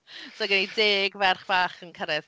So gen i deg ferch fach yn cyrraedd...